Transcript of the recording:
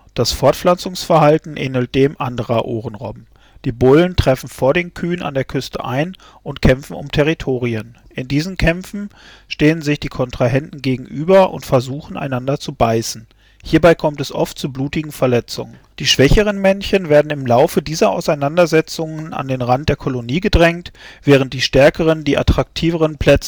Das Fortpflanzungsverhalten ähnelt dem anderer Ohrenrobben: Die Bullen treffen vor den Kühen an der Küste ein und kämpfen um Territorien. In diesen Kämpfen stehen sich die Kontrahenten gegenüber und versuchen, einander zu beißen. Hierbei kommt es oft zu blutigen Verletzungen. Die schwächeren Männchen werden im Laufe dieser Auseinandersetzungen an den Rand der Kolonie gedrängt, während die stärksten die attraktiven Plätze in der